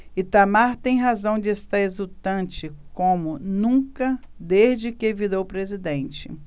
itamar tem razão de estar exultante como nunca desde que virou presidente